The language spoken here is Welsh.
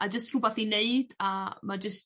A jyst rhwbath i neud a ma' jyst...